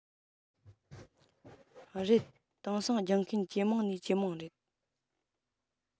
རེད དེང སང སྦྱོང མཁན ཇེ མང ནས ཇེ མང རེད